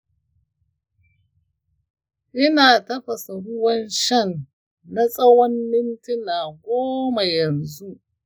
ina tafasa ruwan shan na tsawon mintuna goma yanzu.